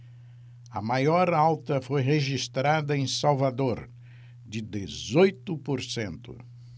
a maior alta foi registrada em salvador de dezoito por cento